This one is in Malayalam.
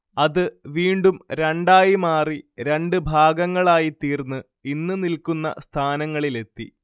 അത് വീണ്ടും രണ്ടായി മാറി രണ്ട് ഭാഗങ്ങളായി തീർന്ന് ഇന്ന് നിൽക്കുന്ന സ്ഥാനങ്ങളിലെത്തി